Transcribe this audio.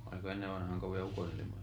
oliko ennen vanhaan kovia ukonilmoja